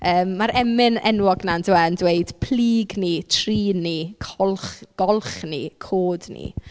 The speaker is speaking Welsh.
Yym mae'r emyn enwog 'na yn dyw e yn dweud "plyg ni, trin ni, colch golch ni, cod ni."